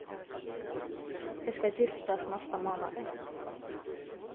eg skal giftast næsta mánadag